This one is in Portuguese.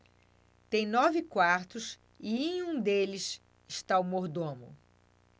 tem nove quartos e em um deles está o mordomo